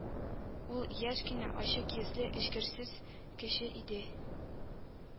Ул яшь кенә, ачык йөзле, эчкерсез кеше иде